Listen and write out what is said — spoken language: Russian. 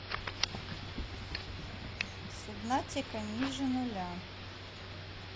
субнатика ниже нуля